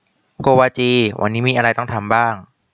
โกวาจีวันนี้มีอะไรต้องทำบ้าง